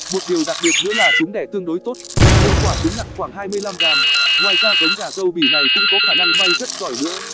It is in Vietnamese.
một điều đặc biệt nữa là chúng đẻ tương đối tốt mỗi quả trứng nặng khoảng gram ngoài ra giống gà râu bỉ này cũng có khả năng bay rất giỏi nữa